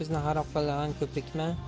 bizni xarob qilg'an ko'prikma